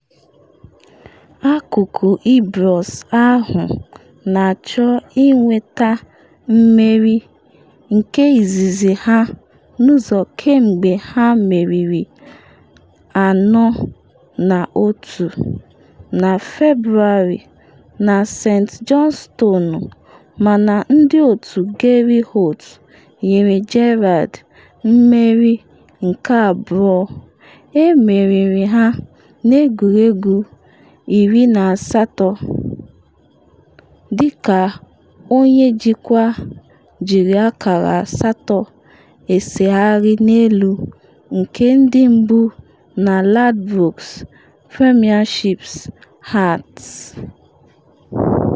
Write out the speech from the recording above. Akụkụ Ibrox ahụ na-achọ inweta mmeri nke izizi ha n’ụzọ kemgbe ha meriri 4-1 na Febuarị na St Johnstone, mana ndị otu Gary Holt nyere Gerrard mmeri nke abụọ emeriri ha n’egwuregwu 18 dịka onye njikwa jiri akara asatọ esegharị n’elu nke ndị mbu na Ladbrokes Premiership, Hearts.